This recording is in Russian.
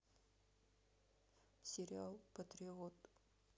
сериал патриот